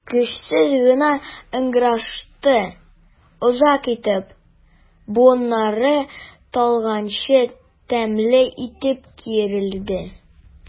Көчсез генә ыңгырашты, озак итеп, буыннары талганчы тәмле итеп киерелде.